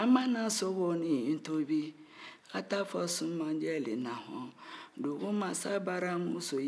a t'a fɔ sumanjɛ le na hɔn dugumansa baramuso yelen